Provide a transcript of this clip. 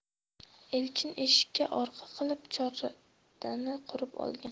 elchin eshikka orqa qilib chordana qurib olgan